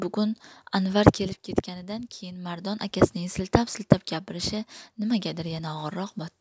bugun anvar kelib ketganidan keyin mardon akasining siltab siltab gapirishi nimagadir yana og'irroq botdi